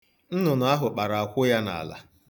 Nnụnụ ahụ kpara akwụ ya n'ala.